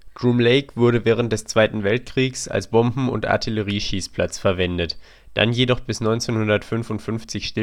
Groom Lake wurde während des 2. Weltkriegs als Bomben - und Artillerie-Schießplatz verwendet, wurde dann jedoch bis 1955